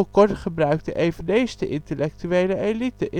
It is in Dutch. kort gebruikte eveneens de intellectuele elite